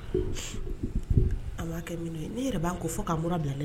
A wa kɛ minnu ye, ne yɛrɛ b'a ko fo ka mura bila n na